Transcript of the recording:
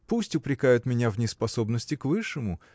Пусть упрекают меня в неспособности к высшему